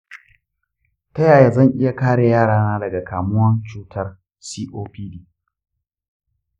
ta yaya zan iya kare yarana daga kamuwa da cutar copd?